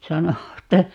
sanoi että